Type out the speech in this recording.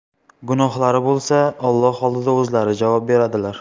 gunohlari bo'lsa alloh oldida o'zlari javob beradilar